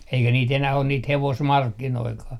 eikä niitä enää ole niitä hevosmarkkinoitakaan